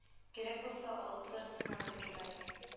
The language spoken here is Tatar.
Кирәк булса алып тарт син аны бригадир